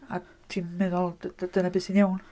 A ti'n meddwl d- dyna beth sy'n iawn.